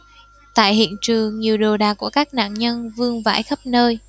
tại hiện trường nhiều đồ đạc của các nạn nhân vương vãi khắp nơi